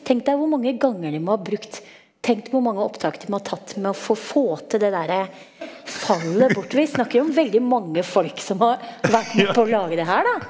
tenk deg hvor mange ganger de må ha brukt tenk hvor mange opptak de må ha tatt med å få få til det derre fallet bort, vi snakker om veldig mange folk som har vært med på å lage det her da.